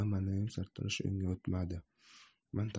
ammo naim sartarosh unga o'tmadi